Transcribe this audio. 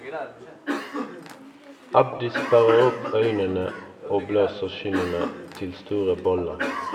Abdi sperrer opp øynene og blåser kinnene til store boller.